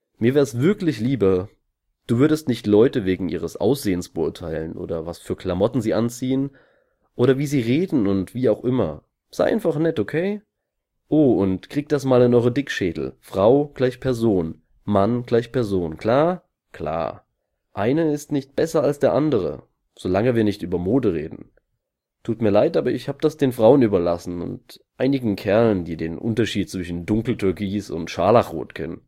Mir wär’ s wirklich lieber, Du würdest nicht Leute wegen ihres Aussehens beurteilen oder was für Klamotten sie anziehen oder wie sie reden oder wie auch immer – sei einfach nett, okay? Oh, und kriegt das mal in eure Dickschädel: Frau = Person. Mann = Person. Klar? Klar. Eine ist nicht besser als der andere, solange wir nicht über Mode reden. Tut mir leid, aber ich hab’ das den Frauen überlassen und einigen Kerlen, die den Unterschied zwischen dunkeltürkis und scharlachrot kennen